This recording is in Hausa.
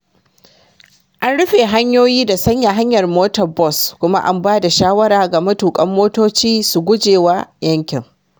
An rufe hanyoyi da sauya hanyar motar bos kuma an ba da shawara ga matukan motoci su guje wa yankin.